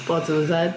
Blods hefo Z?